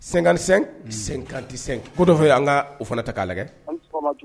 Senkansen sen kantesen ko dɔ an ka o fana ta k'a lajɛ